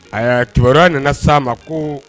kibaruya nana s'a ma ko